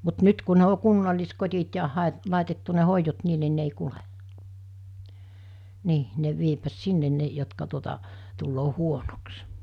mutta nyt kun ne on kunnalliskodit ja - laitettu ne hoidot niin niin ne ei kulje niin ne vievät sinne ne jotka tuota tulee huonoksi